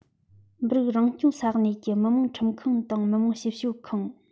མི རིགས རང སྐྱོང ས གནས ཀྱི མི དམངས ཁྲིམས ཁང དང མི དམངས ཞིབ དཔྱོད ཁང